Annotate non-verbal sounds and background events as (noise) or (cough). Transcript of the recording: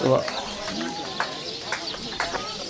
waa (crosstalk) (applause)